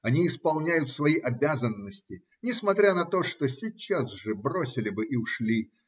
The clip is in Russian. Они исполняют свои обязанности, несмотря на то, что сейчас же бросили бы и ушли